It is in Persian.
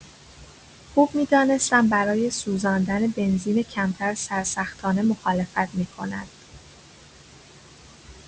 خوب می‌دانستم برای سوزاندن بنزین کمتر سرسختانه مخالفت می‌کند.